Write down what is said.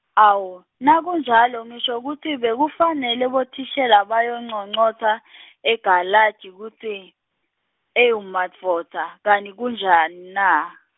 awu, nakunjalo, ngisho kutsi bekufanele bothishela bayonconcotsa , egalaji kutsi, ewumadvodza, kani kunjanina.